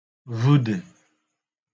və̀de